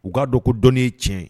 U k'a dɔn ko dɔnni ye tiɲɛ ye.